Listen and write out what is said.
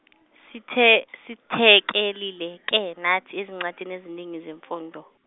sithe sithekelile ke nathi ezincwadini eziningi zemfundo.